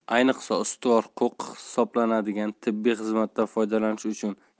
ayniqsa ustuvor huquq hisoblanadigan tibbiy xizmatdan foydalanish